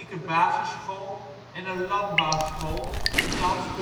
basisschool en een landbouwschool (thans dorpshuis